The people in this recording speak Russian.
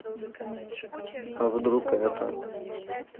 а вдруг это